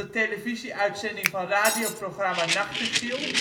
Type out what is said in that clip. Televisie-uitzending van radioprogramma Nachtegiel